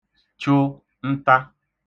chụ nta